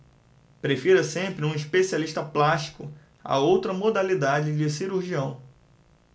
prefira sempre um especialista plástico a outra modalidade de cirurgião